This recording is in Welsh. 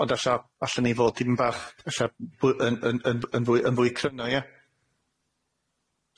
ond alla allwn ni fod di'n bach alla fwy yn yn yn fwy yn fwy cryno ie?